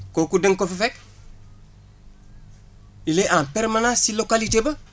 kooku da nga ko fa fekk il est en permanence ci localité ba